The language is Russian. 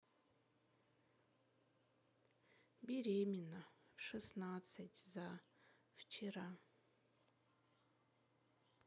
беременна в шестнадцать за вчера